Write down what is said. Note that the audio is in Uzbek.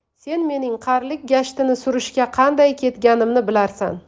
sen mening qarilik gashtini surishga qanday ketganimni bilarsan